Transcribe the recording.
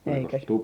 eikä -